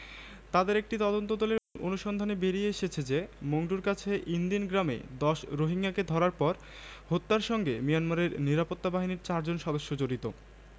তাদের একটি তদন্তদলের অনুসন্ধানে বেরিয়ে এসেছে যে মংডুর কাছে ইনদিন গ্রামে ১০ রোহিঙ্গাকে ধরার পর হত্যার সঙ্গে মিয়ানমারের নিরাপত্তা বাহিনীর চারজন সদস্য জড়িত